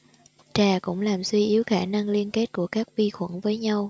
trà cũng làm suy yếu khả năng liên kết của các vi khuẩn với nhau